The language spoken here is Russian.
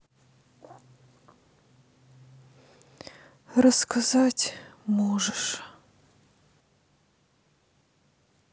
рассказать можешь